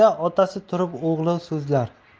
otasi turib o'g'li so'zlar